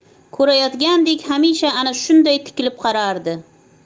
ko'rayotgandek hamisha ana shunday tikilib qarardi